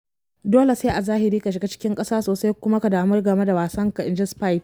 “Dole sai a zahiri ka shiga ciki ƙasa sosai kuma ka damu game da wasanka,” inji Spieth.